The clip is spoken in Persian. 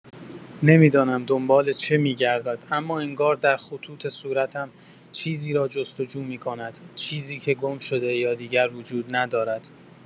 نمی‌دانم دنبال چه می‌گردد، اما انگار در خطوط صورتم چیزی را جست‌وجو می‌کند، چیزی که گم شده یا دیگر وجود ندارد.